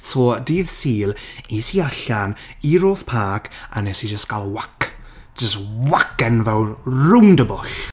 So dydd Sul es i allan i Roath Park a wnes i jyst gael walk jyst walk enfawr rownd y bwll.